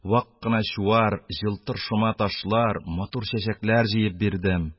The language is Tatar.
Вак кына чуар, елтыр шома ташлар, матур чәчәкләр җыеп бирдем